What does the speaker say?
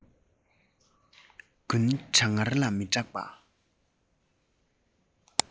དགུན གྲང ངར ལ མི སྐྲག པ